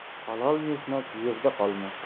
halol mehnat yerda qolmas